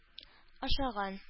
Ашаган